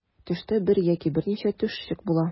Төштә бер яки берничә төшчек була.